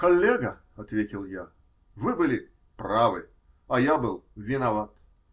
-- Коллега, -- ответил я, -- вы были правы, а я был виноват.